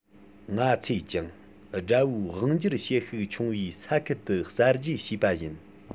ང ཚོས ཀྱང དགྲ བོའི དབང སྒྱུར བྱེད ཤུགས ཆུང བའི ས ཁུལ དུ གསར བརྗེ བྱས པ ཡིན